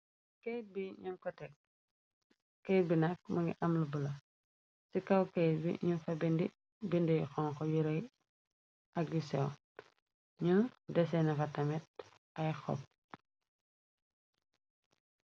keyt bi nakk mëngi aml bula ci kaw kays bi ñu fa bindi bindiy xonx yurey ak diseo ñu deseena fa tamet ay xopp